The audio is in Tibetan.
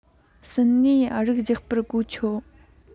གསུམ ནས རི གས རྒྱག པར གོ ཆོད